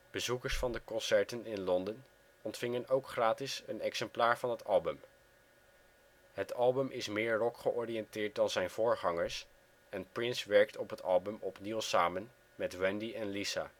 Bezoekers van de concerten in Londen ontvingen ook gratis een exemplaar van het album. Het album is meer rock-georiënteerd dan zijn voorgangers en Prince werkt op het album opnieuw samen met Wendy en Lisa